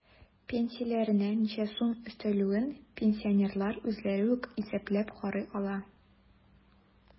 Пенсияләренә ничә сум өстәлүен пенсионерлар үзләре үк исәпләп карый ала.